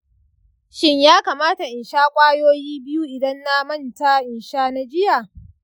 shin ya kamata in sha kwayoyi biyu idan na manta in sha na jiya?